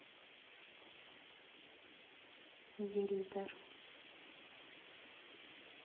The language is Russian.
вильдер